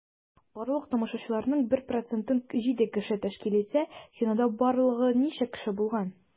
Барлык тамашачыларның 1 процентын 7 кеше тәшкил итсә, кинода барлыгы ничә кеше булган?